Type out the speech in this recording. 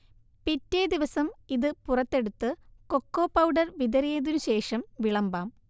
പിറ്റേദിവസം ഇത് പുറത്തെടുത്ത് കൊക്കോ പൗഡർ വിതറിയതിനു ശേഷം വിളമ്പാം